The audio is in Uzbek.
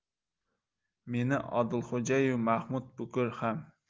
meni odilxo'jayu mahmud bukur ham